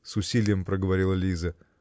-- с усилием проговорила Лиза.